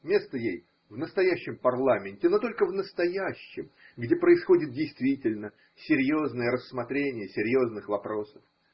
место ей – в настоящем парламенте, но только в настоящем, где происходит действительно серьезное рассмотрение серьезных вопросов.